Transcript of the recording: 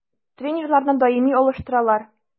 Тренерларны даими алыштыралар.